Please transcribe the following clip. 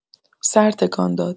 سر تکان داد.